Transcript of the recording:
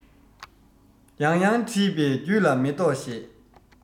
ཡང ཡང འདྲིས པས རྒྱུད ལ མེ ཏོག བཞད